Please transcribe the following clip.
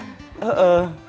ơ ờ